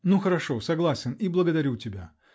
-- Ну хорошо, согласен -- и благодарю тебя.